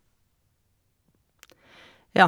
Ja.